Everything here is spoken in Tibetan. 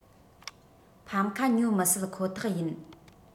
ཕན ཁ ཉོ མི སྲིད ཁོ ཐག ཡིན